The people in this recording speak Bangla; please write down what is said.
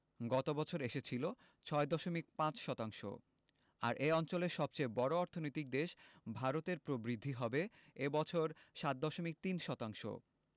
গত বছর এসেছিল ৬.৫ শতাংশ আর এ অঞ্চলের সবচেয়ে বড় অর্থনৈতিক দেশ ভারতের প্রবৃদ্ধি হবে এ বছর ৭.৩ শতাংশ